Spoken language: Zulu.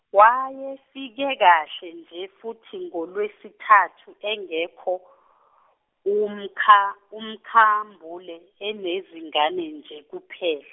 wayefike kahle nje futhi ngolwesithatu engekho, uMkha- uMkhambule enezingane nje kuphela.